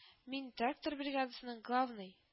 Мин трактор бригадасының главный